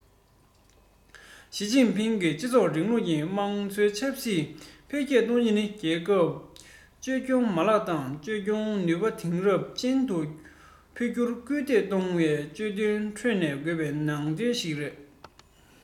ཞིས ཅིན ཕིང གིས སྤྱི ཚོགས རིང ལུགས ཀྱི དམངས གཙོ ཆབ སྲིད འཕེལ རྒྱས གཏོང རྒྱུ ནི རྒྱལ ཁབ བཅོས སྐྱོང མ ལག དང བཅོས སྐྱོང ནུས པ དེང རབས ཅན དུ འགྱུར རྒྱུར སྐུལ འདེད གཏོང བའི བརྗོད དོན ཁྲོད ལྡན དགོས པའི ནང དོན ཞིག རེད